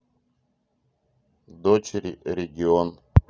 дочери регион